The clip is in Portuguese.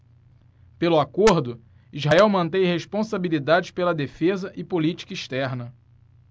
pelo acordo israel mantém responsabilidade pela defesa e política externa